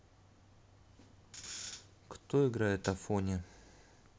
кто играет афони